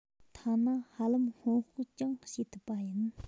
ཐ ན ཧ ལམ སྔོན དཔག ཀྱང བྱེད ཐུབ པ ཡིན